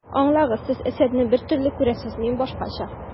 Аңлагыз, Сез әсәрне бер төрле күрәсез, мин башкача.